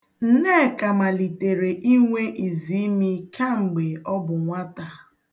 Nneka malitere inwe iziimi kamgbe ọ bụ nwata.